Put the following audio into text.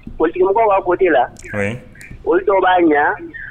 Pmɔgɔww b'a bɔde la o dɔw b'a ɲɛ